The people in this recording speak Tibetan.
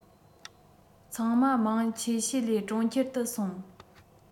ཚང མ མང ཆེ ཤས ལས གྲོང ཁྱེར དུ སོང